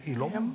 i Lom.